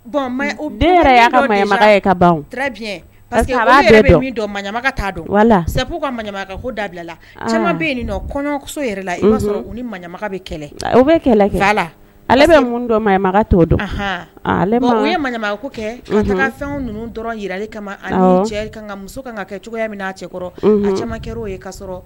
Bɔn ba dɔn ka dabila bɛ nin yɛrɛ la i sɔrɔ ni bɛ kɛlɛ kɛ ye kɛ a taara fɛn ninnu dɔrɔn jirali kama muso ka kɛ cogoya mina cɛkɔrɔ ka caman kɛ' ye ka sɔrɔ